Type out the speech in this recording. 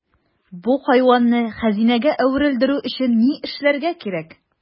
Бу хайванны хәзинәгә әверелдерү өчен ни эшләргә кирәк?